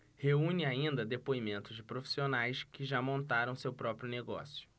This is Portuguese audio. reúne ainda depoimentos de profissionais que já montaram seu próprio negócio